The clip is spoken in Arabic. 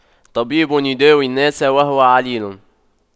طبيب يداوي الناس وهو عليل